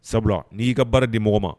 Sabula n'i y'i ka baara di mɔgɔ ma